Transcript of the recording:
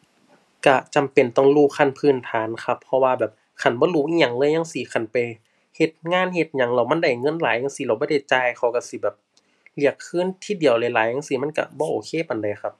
ก็จำเป็นต้องรู้ขั้นพื้นฐานครับ เพราะว่าแบบคันบ่รู้อิหยังเลยจั่งซี้ คันไปเฮ็ดงานเฮ็ดหยังแล้วมันได้เงินหลายจั่งซี้ แล้วบ่ได้จ่ายเขาก็สิแบบ เรียกคืนทีเดียวหลายหลายจั่งซี้ มันก็บ่โอเคปานใดครับ